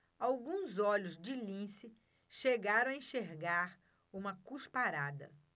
alguns olhos de lince chegaram a enxergar uma cusparada